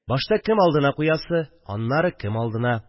Башта кем алдына куясы, аннары кем алдына